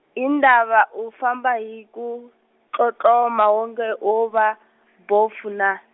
hi ndhava u famba hi ku, tlotloma wonge, wo va bofu naa?